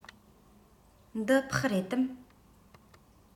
འདི ཕག རེད དམ